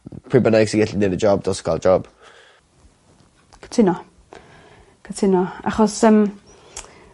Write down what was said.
Pwy bynnag sy gallu neud y job dylse ca'l job. Cytuno. Cytuno. Achos yym